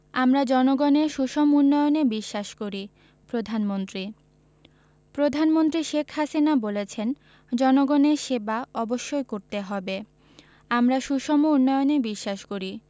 আমরা জনগণের সুষম উন্নয়নে বিশ্বাস করি প্রধানমন্ত্রী প্রধানমন্ত্রী শেখ হাসিনা বলেছেন জনগণের সেবা অবশ্যই করতে হবে আমরা সুষম উন্নয়নে বিশ্বাস করি